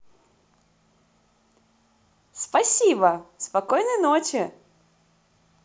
спасибо спокойной ночи